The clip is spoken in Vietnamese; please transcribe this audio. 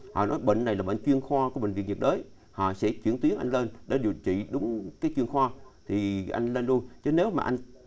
họ nói bệnh này là bệnh chuyên khoa của bệnh viện nhiệt đới họ sẽ chuyển tuyến anh lên để điều trị đúng cái chuyên khoa thì anh lên luôn chứ nếu mà anh